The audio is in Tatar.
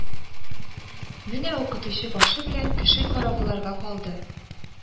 Менә укытучы башы белән көшел каравылларга калды